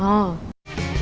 hờ